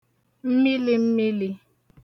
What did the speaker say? mmilīmmilī